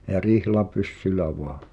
ja rihlapyssyllä vain